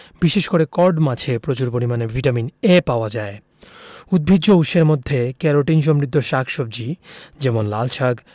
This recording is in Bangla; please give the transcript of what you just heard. বিশেষ করে কড মাছে প্রচুর পরিমান ভিটামিন এ পাওয়া যায় উদ্ভিজ্জ উৎসের মধ্যে ক্যারোটিন সমৃদ্ধ শাক সবজি যেমন লালশাক